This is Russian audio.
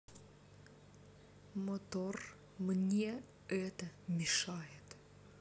motor мне это мешает